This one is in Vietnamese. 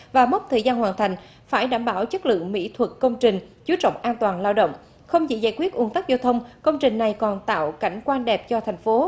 và mốc thời gian hoàn thành phải đảm bảo chất lượng mỹ thuật công trình chú trọng an toàn lao động không chỉ giải quyết ùn tắc giao thông công trình này còn tạo cảnh quan đẹp cho thành phố